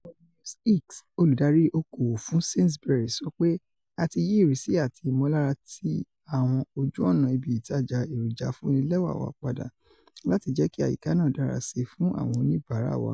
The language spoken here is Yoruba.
Paul Mills-Hicks, olùdarí oko-òwò fún Sainsbury's, sọ pé: ''A ti yí ìrísí àti ìmọ̀lára ti àwọn ojú ọ̀nà ibi ìtajà èròjà afúnnilẹwà wa padà láti jẹ́kí àyíká náà dára síi fún àwọn oníìbárà wa.